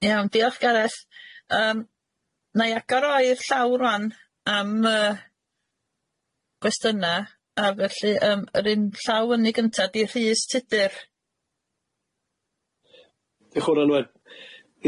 Iawn diolch Gareth yym nâi agor o i'r llawr rŵan am yy gwestynna a felly yym yr un llaw fyny gynta di Rhys Tudur. Dioch yn fawr Anwen.